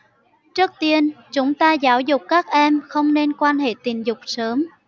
trước tiên chúng ta giáo dục các em không nên quan hệ tình dục sớm